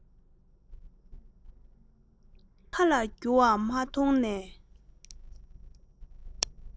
མཚན མོ མཁའ ལ རྒྱུ བ མ མཐོང ནས